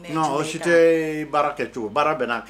Non o si tɛ baara kɛcogo baara bɛ